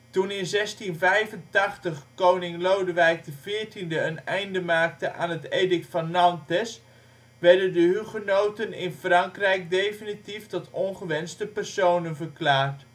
Toen in 1685 koning Lodewijk XIV een einde maakte aan het Edict van Nantes, werden de hugenoten in Frankrijk definitief tot ongewenste personen verklaard